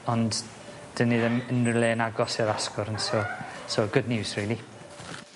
Ond 'dyn ni ddim unryw le'n agos i'r asgwrn so so good news rili.